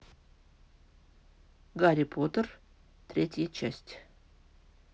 гарри поттер третья часть